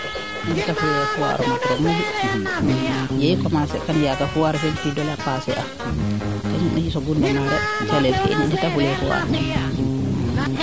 ne ndeta fule foire o mat roog moƴu yee i commencer yaaga foire fe xido laaga passer a ten i soogu demarer calel ke in i ndeta fule foire s